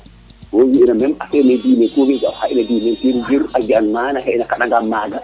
*